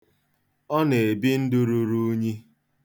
Ọ na-ebi ndụ ruru unyi.